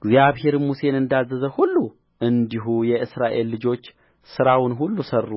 እግዚአብሔር ሙሴን እንዳዘዘ ሁሉ እንዲሁ የእስራኤል ልጆች ሥራውን ሁሉ ሠሩ